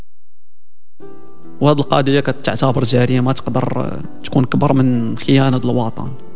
والله قد تاخرت شهرين ما تقدر تكون اكبر من خيانه الوطن